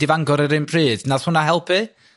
i Fangor yr un pryd? Nath hwnna helpu?